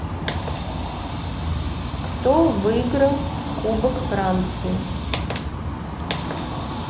кто выграл кубок франции